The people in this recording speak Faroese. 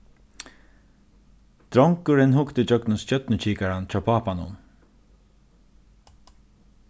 drongurin hugdi ígjøgnum stjørnukikaran hjá pápanum